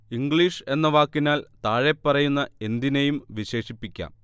English എന്ന വാക്കിനാൽ താഴെപ്പറയുന്ന എന്തിനേയും വിശേഷിപ്പിക്കാം